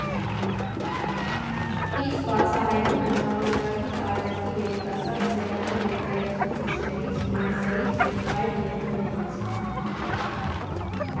֊ից բացահայտում է ժամանակակից արվեստի երիտասարդ սերնդի ներկայացուցիչներին Ֆրանսիայից և այլ երկրներից։